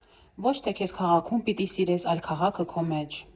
Ոչ թե քեզ քաղաքում պիտի սիրես, այլ՝ քաղաքը քո մեջ։